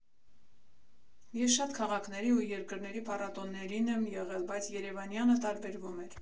Ես շատ քաղաքների ու երկրների փառատոներին եմ եղել, բայց երևանյանը տարբերվում էր։